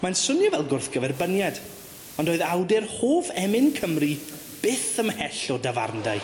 Mae'n swnio fel gwrthgyferbyniad ond oedd awdur hoff emyn Cymru byth ymhell o dafarndai.